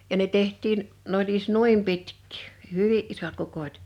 ja ne tehtiin ne oli edes noin pitkiä hyvin isot kukot